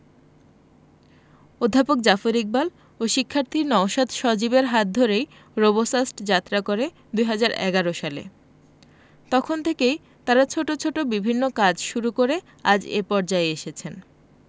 অধ্যাপক জাফর ইকবাল ও শিক্ষার্থী নওশাদ সজীবের হাত ধরেই রোবোসাস্ট যাত্রা শুরু করে ২০১১ সালে তখন থেকেই তারা ছোট ছোট বিভিন্ন কাজ শুরু করে আজ এ পর্যায়ে এসেছেন